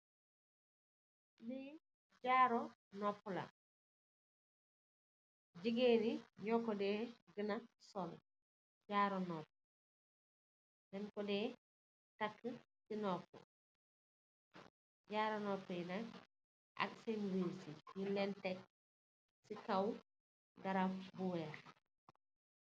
Li jaru nopuh la, gigeen ñgi ño kodeh gena sol, dang ko deh takka ci nopuh. Jaru nopuh yi nak ak sèèn wiis yi ñing lèèn tak ci kaw darap bu wèèx.